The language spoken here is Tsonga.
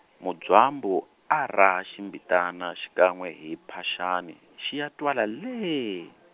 Mudzwambu, a raha ximbitana xikan'we hi mphaxana, xi ya twala lee.